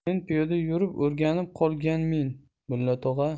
men piyoda yurib o'rganib qolganmen mulla tog'a